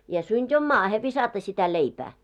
ja synti on maahan viskata sitä leipää